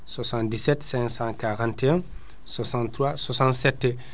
77 541 63 67